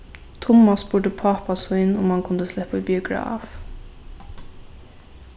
tummas spurdi pápa sín um hann kundi sleppa í biograf